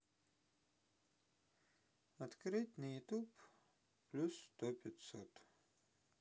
открыть на ютуб плюс сто пятьсот